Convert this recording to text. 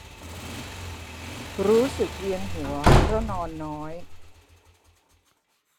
รู้สึกเวียนหัวเพราะนอนน้อย